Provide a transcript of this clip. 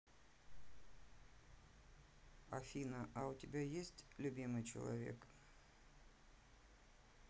афина а у тебя есть любимый человек